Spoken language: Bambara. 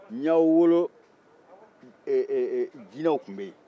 n y'aw wolo jinɛw tun bɛ yen